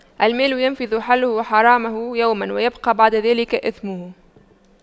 المال ينفد حله وحرامه يوماً ويبقى بعد ذلك إثمه